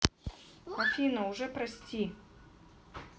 афина уже прости